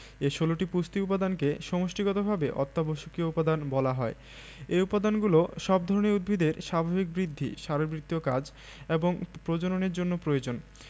এ ১৬টি পুষ্টি উপাদানকে সমষ্টিগতভাবে অত্যাবশ্যকীয় উপাদান বলা হয় এই উপাদানগুলো সব ধরনের উদ্ভিদের স্বাভাবিক বৃদ্ধি শারীরবৃত্তীয় কাজ এবং প্রজননের জন্য প্রয়োজন